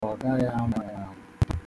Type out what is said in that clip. Ọ gaghị anwa ya anwa.